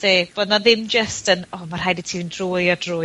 ...'de, bo' 'na ddim jyst yn o ma' rhaid i ti fynd drwy a drwy